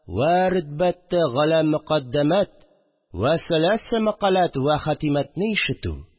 «вә рөтбәттә » галә мөкаддәмәт вә сәлясә мәкаләт вә хатимәт»не ишетү